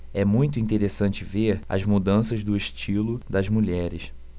é muito interessante ver as mudanças do estilo das mulheres